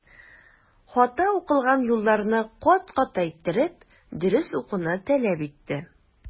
Хата укылган юлларны кат-кат әйттереп, дөрес укуны таләп итте.